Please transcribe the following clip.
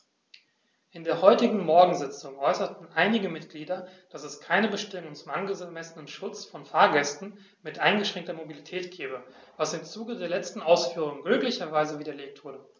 In der heutigen Morgensitzung äußerten einige Mitglieder, dass es keine Bestimmung zum angemessenen Schutz von Fahrgästen mit eingeschränkter Mobilität gebe, was im Zuge der letzten Ausführungen glücklicherweise widerlegt wurde.